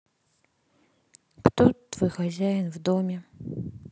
кто твой хозяин в доме